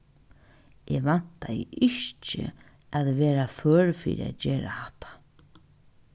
eg væntaði ikki at vera før fyri at gera hatta